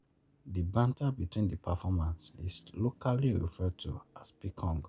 The banter between the performers is locally referred to as "picong".